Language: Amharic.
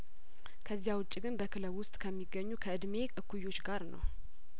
ከዚያውጪ ግን በክለቡ ውስጥ ከሚገኙ ከእድሜ እኩዮች ጋር ነው